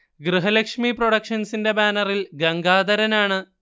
ഗൃഹലക്ഷ്മി പ്രൊഡക്ഷൻസിന്റെ ബാനറിൽ ഗംഗാധരനാണ്